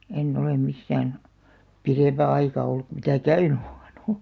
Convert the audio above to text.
en ole missään pidempää aikaa ollut kuin mitä käynyt olen -